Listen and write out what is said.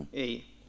eeyi